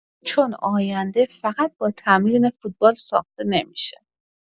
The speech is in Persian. چون آینده فقط با تمرین فوتبال ساخته نمی‌شه.